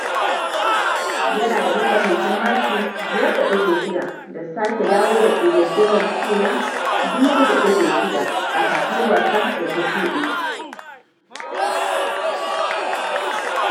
Yana da matsakaicin maki 5.6 da sake dawo da ƙididdigar ci na 2.6 a kakar wasa da ta shuɗe.